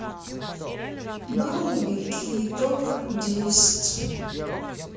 боевики топ десять